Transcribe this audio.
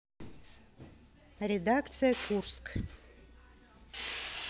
редакция курск